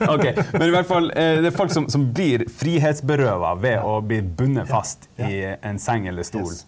ok men i hvert fall det er folk som som blir frihetsberøva ved å bli bundet fast i en seng eller stol.